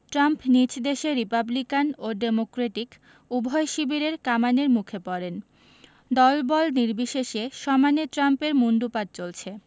Trump নিজ দেশে Republican ও ডেমোক্রেটিক উভয় শিবিরের কামানের মুখে পড়েন দলবল নির্বিশেষে সমানে ট্রাম্পের মুণ্ডুপাত চলছে